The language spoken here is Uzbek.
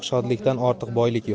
shodlikdan ortiq boylik yo'q